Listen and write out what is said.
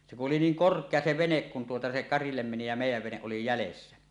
se kun oli niin korkea se vene kun tuota se karille meni ja meidän vene oli jäljessä